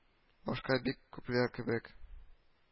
Башка бик күпләр кебек